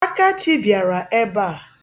Akachi bịara ebe a.